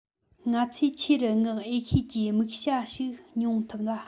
ང ཚོས ཆེ རུ བསྔགས འོས ཤོས ཀྱི དམིགས བྱ ཞིག མྱོང ཐུབ ལ